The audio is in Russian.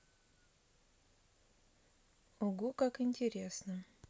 ого как интересно